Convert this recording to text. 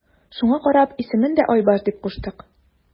Шуңа карап исемен дә Айбаш дип куштык.